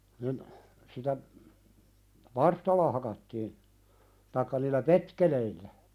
niin sitä varstalla hakattiin tai niillä petkeleillä